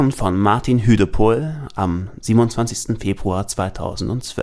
von Maschinenkanonen bevorzugt